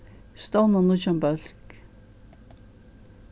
stovna nýggjan bólk